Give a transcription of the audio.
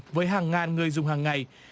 với hàng ngàn người dùng hằng ngày